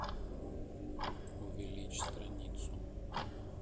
увеличь страницу